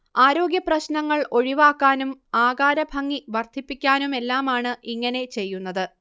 ആരോഗ്യപ്രശ്നങ്ങൾ ഒഴിവാക്കാനും ആകാരഭംഗി വർദ്ധിപ്പിക്കാനുമെല്ലാമാണ് ഇങ്ങനെ ചെയ്യുന്നത്